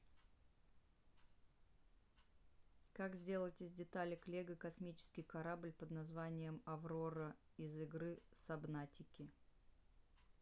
как сделать из деталек лего космический корабль под названием аврора из игры сабнатики